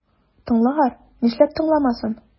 Тыңлар, нишләп тыңламасын?